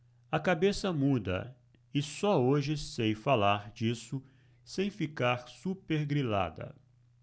a cabeça muda e só hoje sei falar disso sem ficar supergrilada